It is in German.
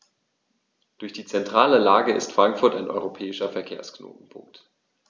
Durch die zentrale Lage ist Frankfurt ein europäischer Verkehrsknotenpunkt.